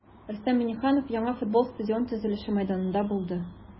Рөстәм Миңнеханов яңа футбол стадионы төзелеше мәйданында булды.